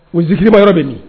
U zikirima yɔrɔ bɛ min?